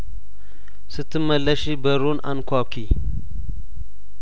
ስትመለሺ በሩን አንኳኲ